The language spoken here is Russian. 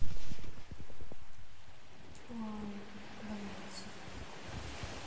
луана больница